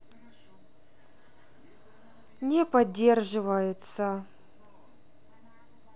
не поддерживается